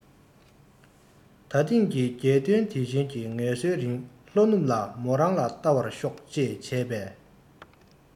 ད ཐེངས ཀྱི རྒྱལ སྟོན དུས ཆེན གྱི ངལ གསོའི རིང ལྷོ ནུབ ལ མོ རང ལ བལྟ བར ཤོག ཅེས བྱས པས